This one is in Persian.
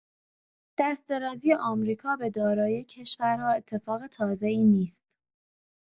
دست‌درازی آمریکا به دارایی کشورها اتفاق تازه‌ای نیست.